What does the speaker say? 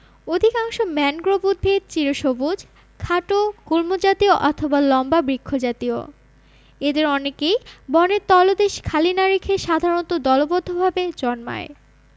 অধিকাংশ ম্যানগ্রোভ উদ্ভিদ চিরসবুজ খাটো গুল্মজাতীয় অথবা লম্বা বৃক্ষজাতীয় এদের অনেকেই বনের তলদেশ খালি না রেখে সাধারণত দলবদ্ধভাবে জন্মায়